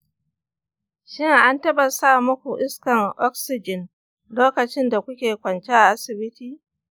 shin an taɓa sa muku iskar oxygen lokacin da kuke kwance a asibiti?